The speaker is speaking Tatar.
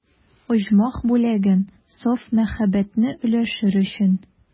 Оҗмах бүләген, саф мәхәббәтне өләшер өчен.